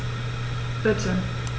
Bitte.